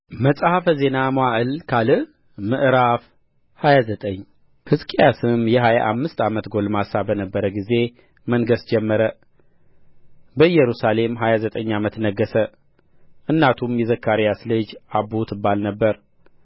መጽሐፈ ዜና መዋዕል ካልዕ ምዕራፍ ሃያ ዘጠኝ ሕዝቅያስም የሀያ አምስት ዓመት ጕልማሳ በነበረ ጊዜ መንገሥ ጀመረ በኢየሩሳሌም ሀያ ዘጠኝ ዓመት ነገሠ እናቱም የዘካርያስ ልጅ አቡ ትባል ነበር